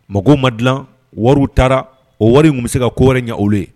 Mɔgɔ ma dilan wari taara o wari tun bɛ se ka ko wɛrɛ ɲɛ olu ye